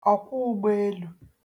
ọ̀kwọụgbọelū